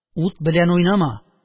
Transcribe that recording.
«ут белән уйнама